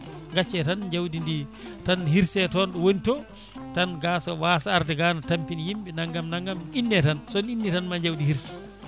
gacce tan jawdi ndi tan hirse toon ɗo woni to tan ga waasa ardega ne tampina yimɓe naggam naggam inne tan soon inni tan ma jawdi hirse